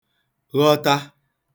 ghọta